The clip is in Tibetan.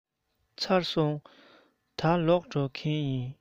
ཚར སོང ད ལོག འགྲོ མཁན ཡིན